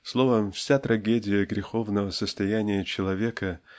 словом -- вся трагедия греховного состояния человека